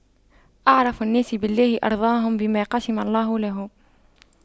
أعرف الناس بالله أرضاهم بما قسم الله له